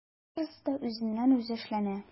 Барысы да үзеннән-үзе эшләнә.